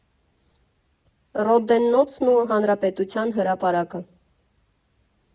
Ռոդեննոցն ու Հանրապետության Հրապարակը։